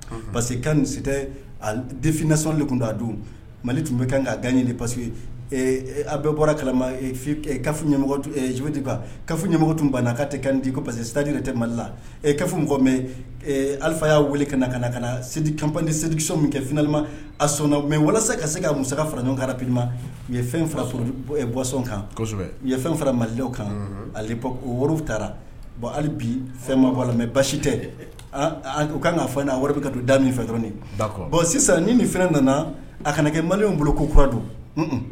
Basi kan fsɔn de tun'a don mali tun bɛ kan gan ɲini pa ye a bɛɛ bɔra kala katif ɲɛmɔgɔ tun banna tɛdi parceji tɛ malila kafe mɔgɔ mɛ alifa y'a wele ka ka kap ni selisɔn min kɛ flima a sɔnna mɛ walasa ka se ka mu fara ɲɔgɔnkarapma u ye fɛn farawasɔn kansɔ u ye fɛn fara malilaw kan ale o woro taara bon hali bi fɛn ma bɔ a mɛ basi tɛ ka kan ka fɔ n na a wari bɛ ka don da min fɛ dɔrɔn bɔn sisan ni ni f nana a kana kɛ maliw bolo kokura don